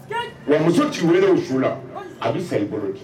Mais muso tɛ wele su la a bɛ sa i bolo de